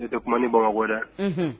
Ne tɛ kuma ni bamakɔ ye dɛ, unhun.